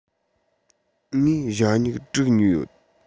ངས ཞྭ སྨྱུག དྲུག ཉོས ཡོད